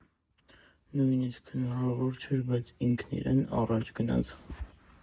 Նույնիսկ հնարավոր չէր, բայց ինքն իրեն առաջ գնաց։